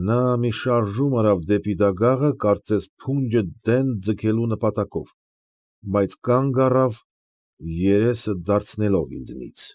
Նա մի շարժում արավ դեպի դագաղը, կարծես, փունջը դեն ձգելու նպատակով, բայց կանգ առավ, երեստ դարձնելով ինձնից։